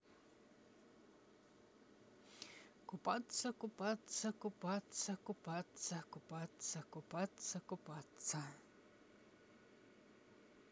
купаться купаться купаться купаться купаться купаться купаться